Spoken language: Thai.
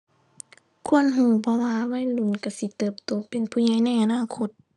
ควรรู้เพราะว่าวัยรุ่นรู้สิเติบโตเป็นผู้ใหญ่ในอนาคต